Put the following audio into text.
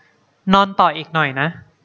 นอนต่ออีกหน่อยนะ